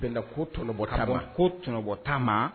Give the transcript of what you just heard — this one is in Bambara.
Bɛ ko tbɔtama ko tɔnɔbɔtama